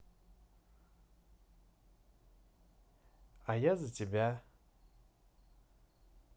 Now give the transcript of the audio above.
а я за тебя